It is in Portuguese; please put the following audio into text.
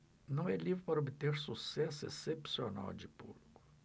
não é livro para obter sucesso excepcional de público